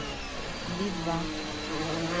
би два